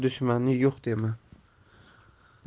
dushmanni yo'q dema